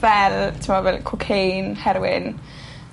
...fel t'mo' fel Cocaine Heroin